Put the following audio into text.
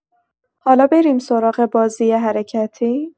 حالا بریم سراغ بازی حرکتی؟